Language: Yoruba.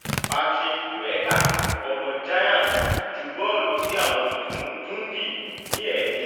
Patrick Dwyekr, ọmọ Giants, ju bọ́ọ̀lù sí àwọ̀n Dundee ní èèmejì